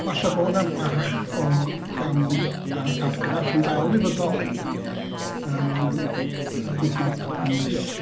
Falle bod 'na m- bach o gam a- argraff yn dal i fodoli yym hyd yn oed ymysg...